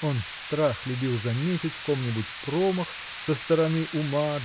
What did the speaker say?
Он страх любил заметить в ком-нибудь промах со стороны ума